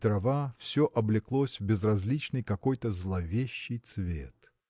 и трава – все облеклось в безразличный какой-то зловещий цвет.